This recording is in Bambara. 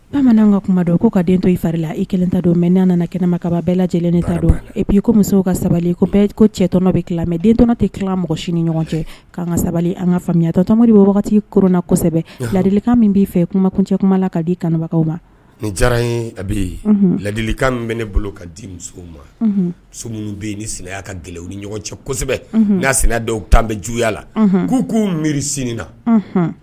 Bamanan ka kuma dɔn k' ka den to i fari la i kelen ta don mɛ n nana kɛnɛma kaba bɛɛ lajɛlen ta dɔn epi i musow ka sabali ko ko cɛt bɛ mɛ dent tɛ tila mɔgɔ si ni ɲɔgɔn cɛ k'an ka sabali an ka faamuyayatɔtomo bɛ wagati kona kosɛbɛ ladilikan min b'i fɛ kumakuncɛ kuma la ka dibagaw ma ni diyara ye a bɛ ladilikan bɛ ne bolo ka di ma s bɛ ni silamɛya ka gɛlɛn ni ɲɔgɔn cɛ kosɛbɛ'a sinina dɔw tan bɛ juguya la k'u k'u miiri siniina